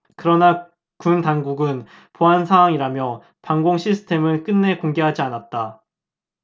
그러나 군 당국은 보안사항이라며 방공 시스템은 끝내 공개하지 않았다